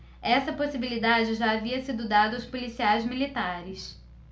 essa possibilidade já havia sido dada aos policiais militares